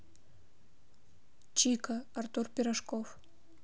чика артур пирожков